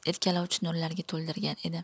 erkalovchi nurlarga to'ldirgan edi